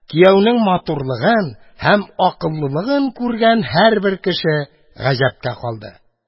Кияүнең матурлыгын һәм акыллылыгын күргән һәрбер кеше гаҗәпкә калды.